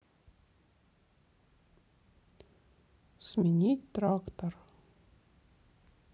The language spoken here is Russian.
сменить трактор